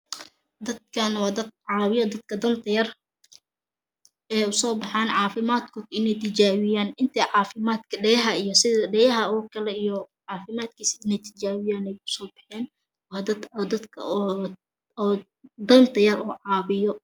Dadkaani waa dad caawiya dadka danta yar ee u Soo baxaan in ay caafimaadkood iney tijaabiyaan intey caafimaadka dhegaha iyo sida dheyaha oo kale iney caafimaadkiisa ay tijaabiyaan ayey u Soo baxeen . Waa dad oo, oo danta yar oo caawiyo